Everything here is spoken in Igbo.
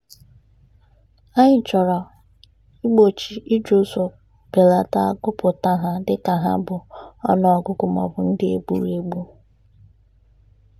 Anyị chọrọ igbochi ịji ụzọ mbelata agụpụta ha dịka ha bụ ọnụọgụgụ maọbụ ndị gburu egbu.